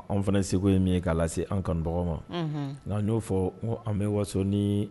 Anw fana seko ye min ye k'a lase an kanubagaw ma unhun an y'o fɔ ko an bɛ waso ni